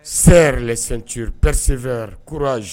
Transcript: sers les ceintures. Persévère, courage